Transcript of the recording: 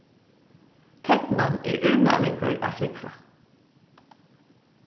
ternan er úrmælingur at flúgva